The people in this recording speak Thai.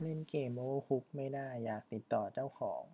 เล่นเกมโอเวอร์คุกไม่ได้อยากติดต่อเจ้าของ